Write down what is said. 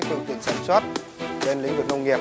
phương tiện sản xuất trên lĩnh vực nông nghiệp